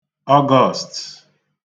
Ọgọst